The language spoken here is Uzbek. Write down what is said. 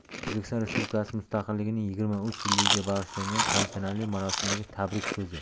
o'zbekiston respublikasi mustaqilligining yigirma uch yilligiga bag'ishlangan tantanali marosimdagi tabrik so'zi